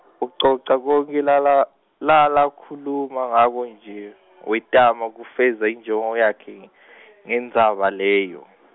ucoca konkhe lala- lalakhuluma ngako nje, wetama kufeza injongo yakhe , ngendzaba leyo.